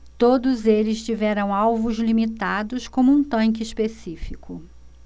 todos eles tiveram alvos limitados como um tanque específico